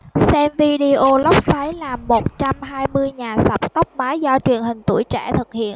xem video lốc xoáy làm một trăm hai mươi nhà sập tốc mái do truyền hình tuổi trẻ thực hiện